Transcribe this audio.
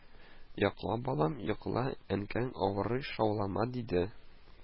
– йокла, балам, йокла, әнкәң авырый, шаулама, – диде